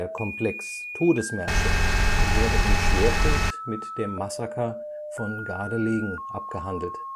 Komplex Todesmärsche wurde im Schwerpunkt mit dem Massaker von Gardelegen abgehandelt